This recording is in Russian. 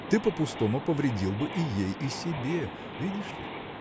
Ты по-пустому повредил бы и ей, и себе – видишь ли?